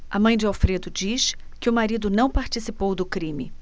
a mãe de alfredo diz que o marido não participou do crime